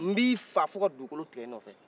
n b'i faga fo ka dugukolo tigɛ i nɔfɛ